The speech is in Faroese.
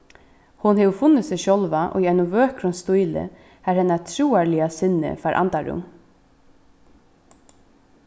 hon hevur funnið seg sjálva í einum vøkrum stíli har hennara trúarliga sinni fær andarúm